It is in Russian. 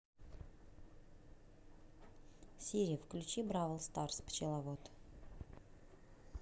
сири включи бравл старс пчеловод